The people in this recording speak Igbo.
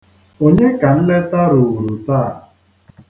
Onye ka nleta ruuru taa?